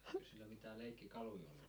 eikös niillä mitään leikkikaluja ollut